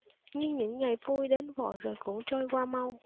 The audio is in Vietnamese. nhưng những ngày vui đến vội rồi cũng trôi qua mau